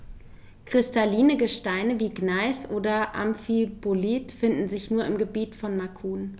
Kristalline Gesteine wie Gneis oder Amphibolit finden sich nur im Gebiet von Macun.